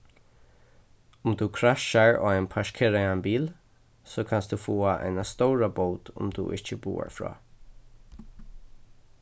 um tú krassjar á ein parkeraðan bil so kanst tú fáa eina stóra bót um tú ikki boðar frá